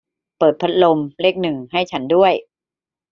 เปิดพัดลมเลขหนึ่งให้ฉันด้วย